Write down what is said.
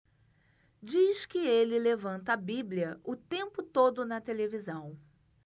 diz que ele levanta a bíblia o tempo todo na televisão